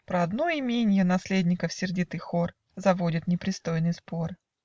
Про одно именье Наследников сердитый хор Заводит непристойный спор.